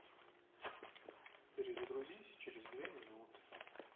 перезагрузись через две минуты